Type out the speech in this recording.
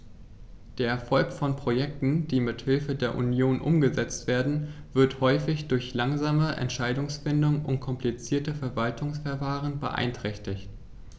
Der Erfolg von Projekten, die mit Hilfe der Union umgesetzt werden, wird häufig durch langsame Entscheidungsfindung und komplizierte Verwaltungsverfahren beeinträchtigt.